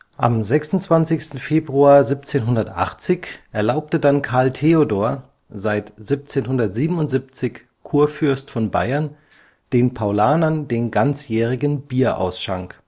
Am 26. Februar 1780 erlaubte dann Karl Theodor, seit 1777 Kurfürst von Bayern, den Paulanern den ganzjährigen Bierausschank